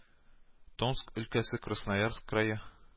Томск өлкәсе, Красноярск крае